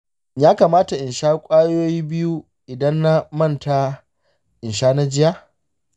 shin ya kamata in sha kwayoyi biyu idan na manta in sha na jiya?